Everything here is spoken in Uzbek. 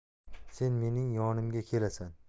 sen mening yonimga kelasan